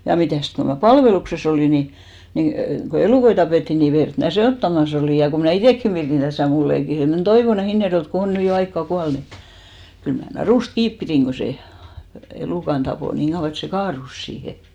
ja mitäs kun minä palveluksessa olin niin niin kun elukoita tapettiin niin verta minä sekoittamassa olin ja kun minä itsekin pidin tässä mulleja pidin semmoinen Toivonen Hinnerjoelta kun on nyt jo aikaa kuollut mutta kyllä minä narusta kiinni pidin kun se elukan tappoi niin kauan että se kaatui siihen